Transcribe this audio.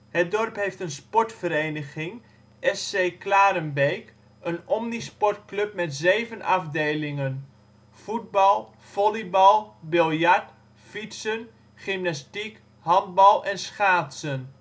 Het dorp heeft een sportvereniging, SC Klarenbeek, een omnisportclub met zeven afdelingen (voetbal, volleybal, biljart, fietsen, gymnastiek, handbal en schaatsen